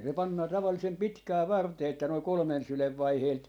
se pannaan tavallisen pitkään varteen että noin kolmen sylen vaiheelta